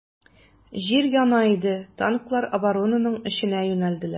Җир яна иде, танклар оборонаның эченә юнәлделәр.